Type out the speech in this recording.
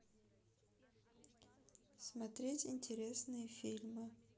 смотреть интересные фильмы